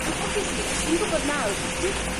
On' obviously like fi'n gwbod nawr dyw